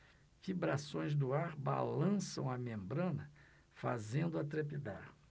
vibrações do ar balançam a membrana fazendo-a trepidar